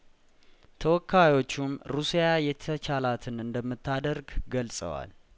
ተወካዮቹም ሩሲያ የተቻላትን እንደምታደርግ ገልጸዋል